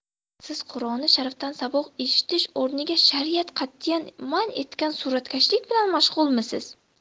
siz quroni sharifdan saboq eshitish o'rniga shariat qatiyan man etgan suratkashlik bilan mashg'ulmisiz